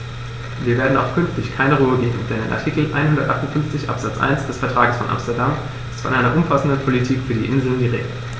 Wir werden auch künftig keine Ruhe geben, denn in Artikel 158 Absatz 1 des Vertrages von Amsterdam ist von einer umfassenden Politik für die Inseln die Rede.